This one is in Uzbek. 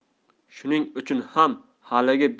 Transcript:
shuning uchun ham haligi